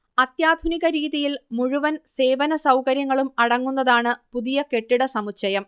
അത്യാധുനിക രീതിയിൽ മുഴുവൻ സേവന സൗകര്യങ്ങളും അടങ്ങുന്നതാണ് പുതിയ കെട്ടിടസമുച്ചയം